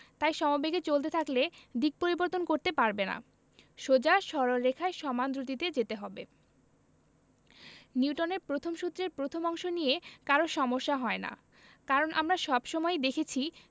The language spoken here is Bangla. তাই সমবেগে চলতে হলে দিক পরিবর্তন করতে পারবে না সোজা সরল রেখায় সমান দ্রুতিতে যেতে হবে নিউটনের প্রথম সূত্রের প্রথম অংশ নিয়ে কারো সমস্যা হয় না কারণ আমরা সব সময়ই দেখেছি